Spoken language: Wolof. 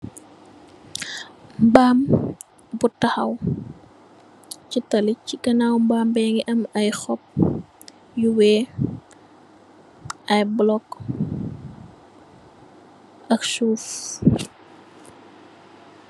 Mbam bu taxaw si taali si ganaw mbam bi mogi am ay hoop yu weex ay block ak suuf.